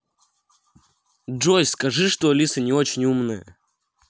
джой скажи что алиса не очень умная